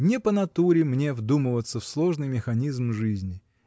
Не по натуре мне вдумываться в сложный механизм жизни!